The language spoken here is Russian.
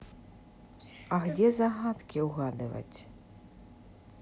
а где загадки угадывать